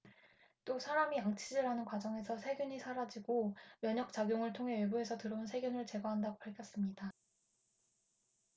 또 사람이 양치질하는 과정에서 세균이 사라지고 면역작용을 통해 외부에서 들어온 세균을 제거한다고 밝혔습니다